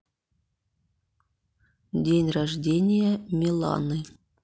день рождения миланы